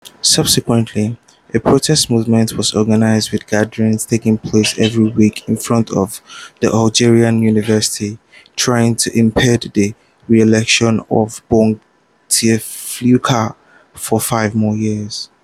Consequently a protest movement was organized with gatherings taking place every week in front of the Algerian universities trying to impede the reelection of Bouteflika for 5 more years.